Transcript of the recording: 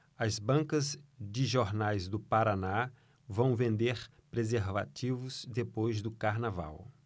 as bancas de jornais do paraná vão vender preservativos depois do carnaval